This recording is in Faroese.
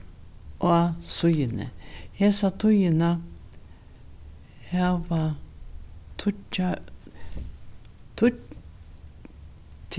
á síðuni hesa tíðina hava